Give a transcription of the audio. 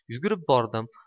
yugurib bordim